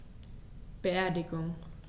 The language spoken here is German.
Beerdigung